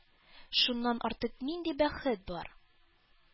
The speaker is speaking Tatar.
Шуннан артык нинди бәхет бар?!